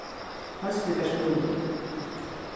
hósvíkar skúli